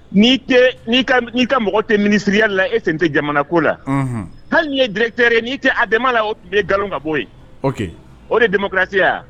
N'i tɛ, n'i ka mɔgɔ tɛ ministre ya la, e sen tɛ jamana ko la. Hali n'i ye directeur n'i tɛ A D E M A la, u tun bɛ i galon ka bɔ yen. O de ye democratie ye wa?